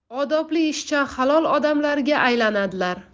odobli ishchan halol odamlarga aylanadilar